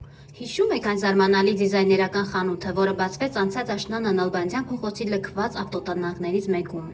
Հիշու՞մ եք այն զարմանալի դիզայներական խանութը, որը բացվեց անցած աշնանը Նալբանդյան փողոցի լքված ավտոտնակներից մեկում։